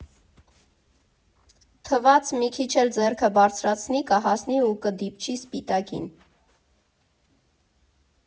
Թվաց՝ մի քիչ էլ ձեռքը բարձրացնի, կհասնի ու կդիպչի սպիտակին։